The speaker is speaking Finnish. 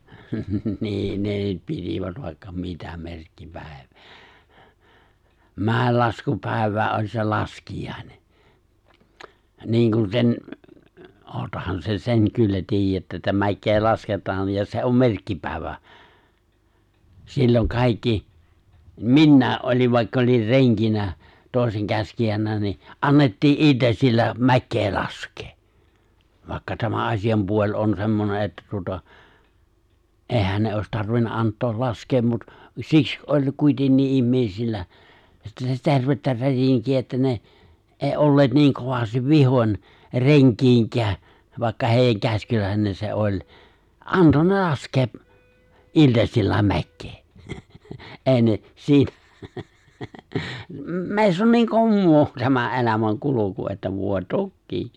niin ne nyt pitivät vaikka mitä merkkipäiviä mäenlaskupäivä oli se laskiainen niin kuin sen olettehan sen sen kyllä tiedätte että mäkeä lasketaan ja se on merkkipäivä silloin kaikki minäkin olin vaikka olin renkinä toisen käskijänä niin annettiin iltasilla mäkeä laskea vaikka tämä asianpuoli on semmoinen että tuota eihän ne olisi tarvinnut antaa laskea mutta siksi oli kuitenkin ihmisillä sitä tervettä rätinkiä että ne ei olleet niin kovasti vihoin renkiinkään vaikka heidän käskyläinen se oli antoi ne laskea iltasilla mäkeä - ei ne siitä meissä on niin - tämä elämän kulku että voi tokiin